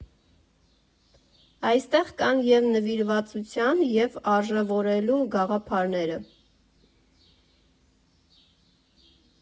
Այստեղ կան և նվիրվածության, և արժևորելու գաղափարները։